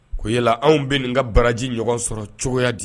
Ko yala anw bɛ nin ka baraji ɲɔgɔn sɔrɔ cogoya di